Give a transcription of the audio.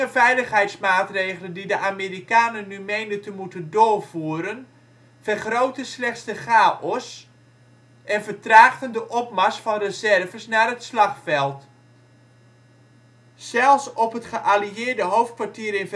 veiligheidsmaatregelen die de Amerikanen nu meenden te moeten doorvoeren, vergrootten slechts de chaos en vertraagden de opmars van reserves naar het slagveld. Zelfs op het geallieerde hoofdkwartier